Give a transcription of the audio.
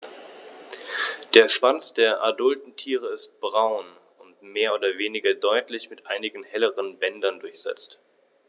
Der Schwanz der adulten Tiere ist braun und mehr oder weniger deutlich mit einigen helleren Bändern durchsetzt.